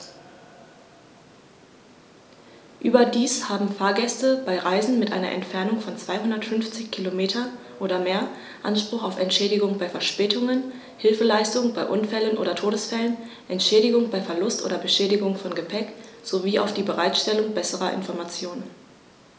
Überdies haben Fahrgäste bei Reisen mit einer Entfernung von 250 km oder mehr Anspruch auf Entschädigung bei Verspätungen, Hilfeleistung bei Unfällen oder Todesfällen, Entschädigung bei Verlust oder Beschädigung von Gepäck, sowie auf die Bereitstellung besserer Informationen.